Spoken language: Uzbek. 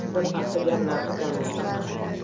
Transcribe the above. tushar paxta gar narxi kam bo'lsa ham